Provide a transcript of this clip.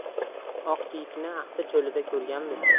oq kiyikni axsi cho'lida ko'rganbiz